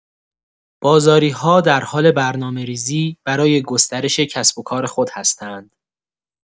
بازاری‌ها در حال برنامه‌ریزی برای گسترش کسب و کار خود هستند.